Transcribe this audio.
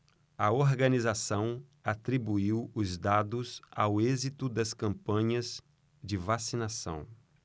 a organização atribuiu os dados ao êxito das campanhas de vacinação